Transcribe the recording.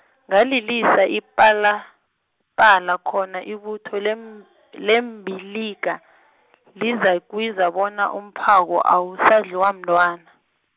ngalilisa ipalapala, khona ibutho lemb- lembiliga, lizakwizwa bona umphako awusadliwa mntwana.